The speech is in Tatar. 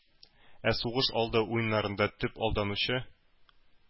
Ә сугыш алды уеннарында төп алданучы,